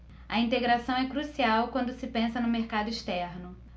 a integração é crucial quando se pensa no mercado externo